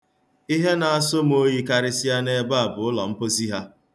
Ihe na-asọ m oyi karịsịa n'ebe a bụ ụlọ mposi ha.